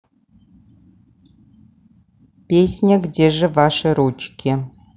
песня где же ваши ручки